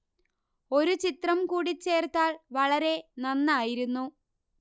ഒരു ചിത്രം കൂടി ചേർത്താൽ വളരെ നന്നായിരുന്നു